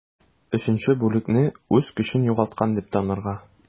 3 бүлекне үз көчен югалткан дип танырга.